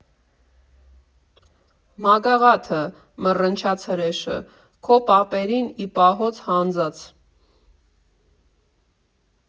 ֊ Մագաղա՜թը, ֊ մռնչաց հրեշը, ֊ քո պապերին ի պահոց հանձած։